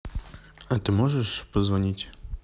а ты можешь позвонить